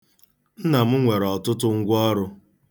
Nna m nwere ọtụtụ ngwaọrụ.